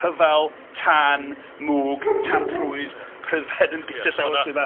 Rhyfel, tân, mwg, tamprwydd, pryfed yn byta llawysgrifau.